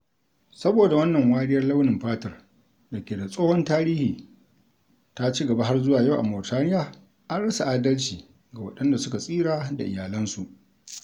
Saboda wannan wariyar launin fatar da ke da tsohon tarihi ta cigaba har zuwa yau a Mauritaniya, an rasa adalci ga waɗanda suka tsira da iyalansu.